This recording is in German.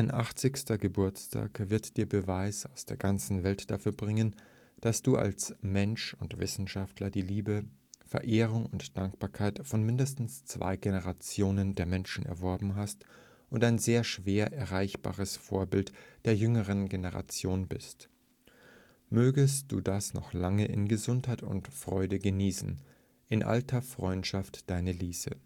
80. Geburtstag wird Dir Beweise aus der ganzen Welt dafür bringen, dass Du als Mensch und Wissenschaftler die Liebe, Verehrung und Dankbarkeit von mindestens zwei Generationen der Menschen erworben hast und ein sehr schwer erreichbares Vorbild der jüngsten Generation bist. Mögest Du das noch lange in Gesundheit und Freude genießen. – In alter Freundschaft, Deine Lise